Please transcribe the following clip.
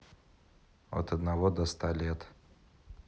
от одного до ста лет